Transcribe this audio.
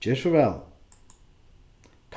ger so væl